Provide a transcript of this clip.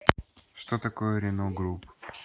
что такое renault group